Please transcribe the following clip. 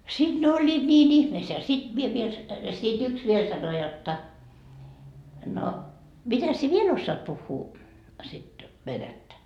sitten ne olivat niin ihmeessään ja sitten minä vielä sitten yksi vielä sanoi jotta no mitäs sinä vielä osaat puhua sitä venäjää